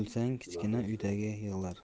kichkina uydagi yig'lar